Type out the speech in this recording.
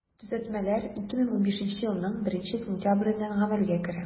Төзәтмәләр 2015 елның 1 сентябреннән гамәлгә керә.